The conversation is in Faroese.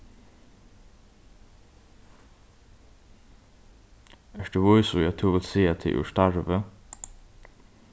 ert tú vísur í at tú vilt siga teg úr starvi